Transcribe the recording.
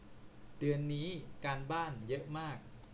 เดือนนี้การบ้านเยอะมาก